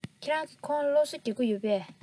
ཁྱེད རང གིས ཁོ ལ སློབ གསོ རྒྱག གི ཡོད པས